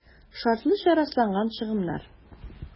«шартлыча расланган чыгымнар»